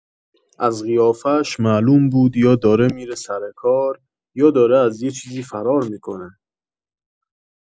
از قیافه‌ش معلوم بود یا داره می‌ره سر کار، یا داره از یه چیزی فرار می‌کنه.